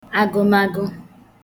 agụmagụ